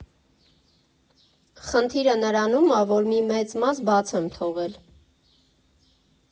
Խնդիրը նրանում ա, որ մի մեծ մաս բաց եմ թողել։